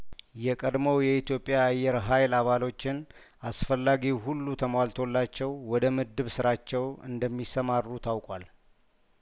የቀድሞው የኢትዮጵያ አየር ሀይል አባሎችን አስፈላጊው ሁሉ ተሟልቶላቸው ወደ ምድብ ስራቸው እንደሚሰማሩ ታውቋል